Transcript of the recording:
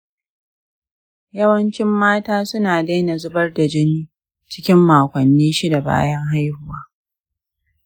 yawancin mata suna daina zubar da jini cikin makonni shida bayan haihuwa.